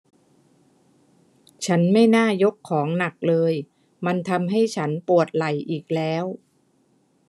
ฉันไม่น่ายกของหนักเลยมันทำให้ฉันปวดไหล่อีกแล้ว